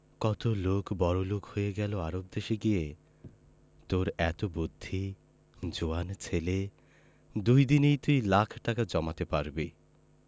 কত লোক বড়লোক হয়ে গেল আরব দেশে গিয়ে তোর এত বুদ্ধি জোয়ান ছেলে দুই দিনেই তুই লাখ টাকা জমাতে পারবি